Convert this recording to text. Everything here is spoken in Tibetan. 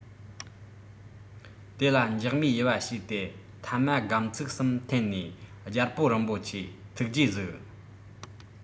དེ ལ འཇག མས ཡུ བ བྱས ཏེ ཐ མ སྒམ ཙིག གསུམ འཐེན ནས རྒྱལ པོ རིན པོ ཆེ ཐུགས རྗེས གཟིགས